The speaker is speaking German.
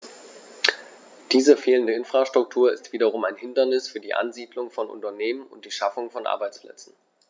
Diese fehlende Infrastruktur ist wiederum ein Hindernis für die Ansiedlung von Unternehmen und die Schaffung von Arbeitsplätzen.